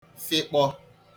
fịkpọ